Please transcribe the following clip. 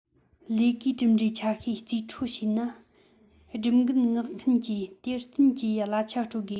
ལས ཀའི གྲུབ འབྲས ཆ ཤས རྩིས སྤྲོད བྱས ན སྒྲུབ འགན མངགས མཁན གྱིས དེར བསྟུན གྱིས གླ ཆ སྤྲོད དགོས